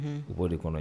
U b'o de kɔnɔ